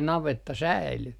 navetta säilyi